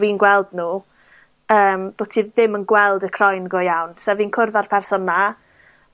fi'n gweld nw, yym bo' ti ddim yn gweld y croen go iawn. 'Sa fi'n cwrdd â'r person 'na.